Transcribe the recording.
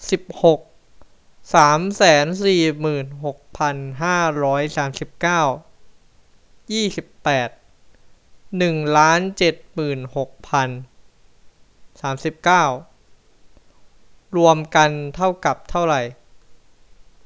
สิบหกสามแสนสี่หมื่นหกพันห้าร้อยสามสิบเก้ายี่สิบแปดหนึ่งล้านเจ็ดหมื่นหกพันสามสิบเก้ารวมกันเท่ากับเท่าไหร่